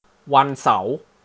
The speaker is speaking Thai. วันเสาร์